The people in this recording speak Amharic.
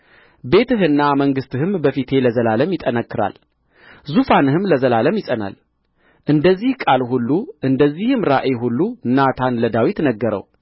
ቤትህና መንግሥትህም በፊቴ ለዘላለም ይጠነክራል ዙፋንህም ለዘላለም ይጸናል እንደዚህ ቃል ሁሉ እንደዚህም ራእይ ሁሉ ናታን ለዳዊት ነገረው